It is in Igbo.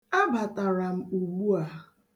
Abatara m ugbua.